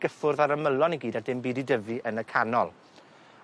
gyffwrdd â'r ymylon i gyd a dim byd i dyfu yn y canol.